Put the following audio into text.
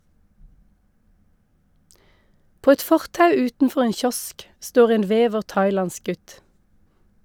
På et fortau utenfor en kiosk står en vever thailandsk gutt.